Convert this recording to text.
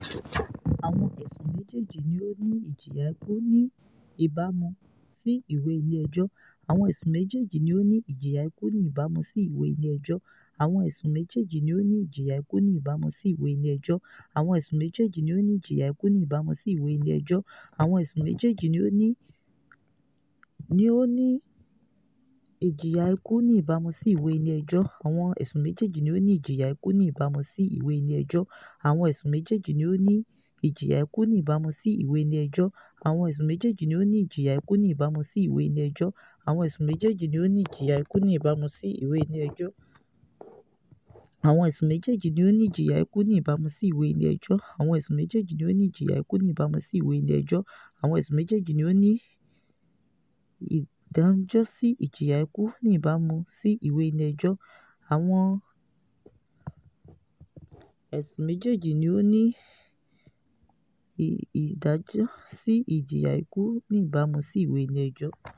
Àwọn ẹ̀sùn méjèèjì ni ó ní ìjìyà ikú ní ìbámu sí ìwé ilé ẹjọ́